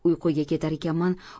uyquga ketar ekanman